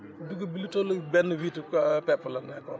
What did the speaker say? dugub bi lu tolloog benn * pepp la nekkoon